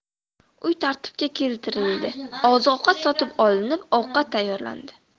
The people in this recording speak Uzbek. uy tartibga keltirildi oziq ovqat sotib olinib ovqat tayyorlandi